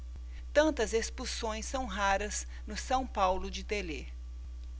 tantas expulsões são raras no são paulo de telê